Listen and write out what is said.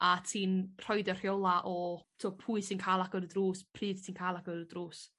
a ti'n rhoid y rheola' o t'o' pwy sy'n ca'l agor y drws pryd ti'n ca'l agor y drws.